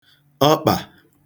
ọkpà